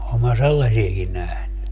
olen minä sellaisiakin nähnyt